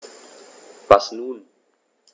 Was nun?